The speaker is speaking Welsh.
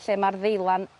lle ma'r ddeilan